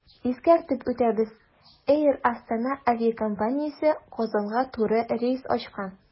Искәртеп үтәбез, “Эйр Астана” авиакомпаниясе Казанга туры рейс ачкан.